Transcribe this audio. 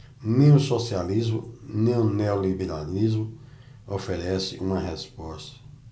nem o socialismo nem o neoliberalismo oferecem uma resposta